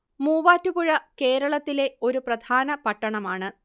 മൂവാറ്റുപുഴ കേരളത്തിലെ ഒരു പ്രധാന പട്ടണമാണ്